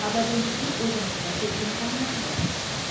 abadiylikning ozimizdagi imkoniyatidir